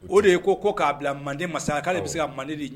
O de ye ko ko k'a bila manden masa k'ale bɛ se ka manden di ɲɛ